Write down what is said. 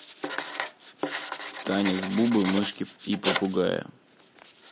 танец бубы мышки и попугая